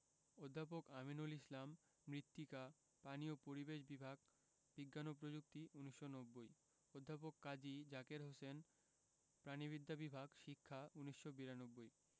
অধ্যাপক আমিনুল ইসলাম মৃত্তিকা পানি ও পরিবেশ বিভাগ বিজ্ঞান ও প্রযুক্তি ১৯৯০ অধ্যাপক কাজী জাকের হোসেন প্রাণিবিদ্যা বিভাগ শিক্ষা ১৯৯২